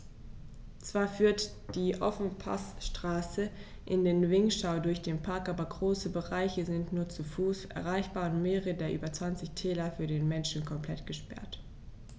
Zwar führt die Ofenpassstraße in den Vinschgau durch den Park, aber große Bereiche sind nur zu Fuß erreichbar und mehrere der über 20 Täler für den Menschen komplett gesperrt.